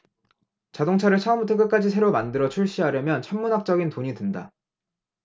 자동차를 처음부터 끝까지 새로 만들어 출시하려면 천문학적인 돈이 든다